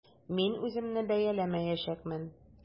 Мин үземне бәяләмәячәкмен.